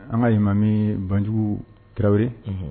An kayilimami banjugu tarawele ye